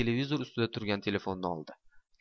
televizor ustida turgan telefonni oldi